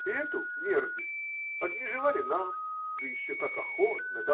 И эту мерзость отмежевали нам, да еще как охотно.